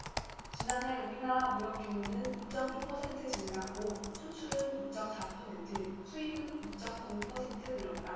지난해 우리나라 무역 규모는 이 쩜 이 퍼센트 증가하고 수출은 이 쩜 사 퍼센트 수입은 이 쩜 공 퍼센트 늘었다